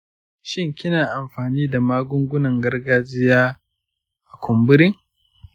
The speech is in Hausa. shin kina amfani da magungunan gargajiya a kumburin?